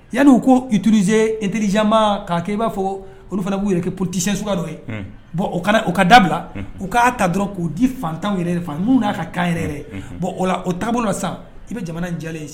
Yanni u ko ituruze e terijanma k'a kɛ i b'a fɔ olu fana b'u yɛrɛ kɛ porotesiska dɔ ye bɔn o u ka dabila u k'a ta dɔrɔn k'u di fantan yɛrɛ de fɛ n minnu n'a ka kan yɛrɛ bɔn o la o taabolo la sa i bɛ jamana jalen